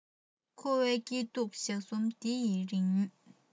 འཁོར བའི སྐྱིད སྡུག ཞག གསུམ འདི ཡི རིང